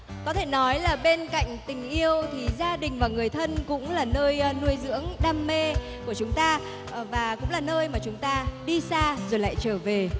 có thể nói là bên cạnh tình yêu thì gia đình và người thân cũng là nơi nuôi dưỡng đam mê của chúng ta và cũng là nơi mà chúng ta đi xa rồi lại trở về